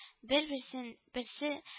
Бер берсен-берсе